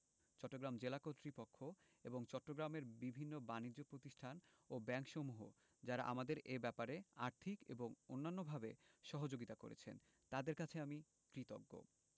চট্টগ্রাম জেলা কর্তৃপক্ষ এবং চট্টগ্রামের বিভিন্ন বানিজ্য প্রতিষ্ঠান ও ব্যাংকসমূহ যারা আমাদের এ ব্যাপারে আর্থিক এবং অন্যান্যভাবে সহযোগিতা করেছেন তাঁদের কাছে আমি কৃতজ্ঞ